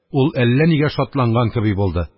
Ул әллә нигә шатланган кеби булды.